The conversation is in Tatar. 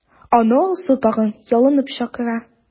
Аны Алсу тагын ялынып чакыра.